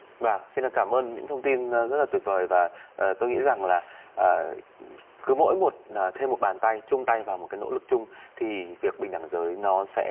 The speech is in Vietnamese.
vầng xin được cảm ơn những thông tin là rất là tuyệt vời và tôi nghĩ rằng là ờ cứ mỗi một thêm một bàn tay chung tay vào một cái nỗ lực chung thì việc bình đẳng giới nó sẽ